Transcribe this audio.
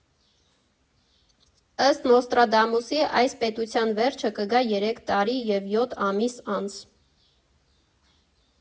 Ըստ Նոստրադամուսի՝ այս պետության վերջը կգա երեք տարի և յոթ ամիս անց։